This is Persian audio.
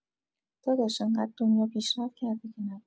داداش اینقدر دنیا پیشرفت کرده که نگو